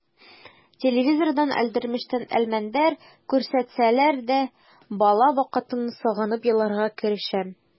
Телевизордан «Әлдермештән Әлмәндәр» күрсәтсәләр дә бала вакытымны сагынып еларга керешәм.